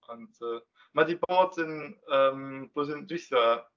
Ond yy mae 'di bod yn yym blwyddyn dwytha.